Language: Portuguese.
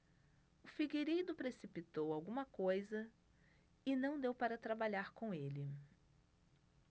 o figueiredo precipitou alguma coisa e não deu para trabalhar com ele